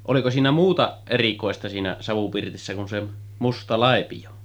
oliko siinä muuta erikoista siinä savupirtissä kuin se musta laipio